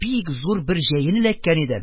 Бик зур бер җәен эләккән иде,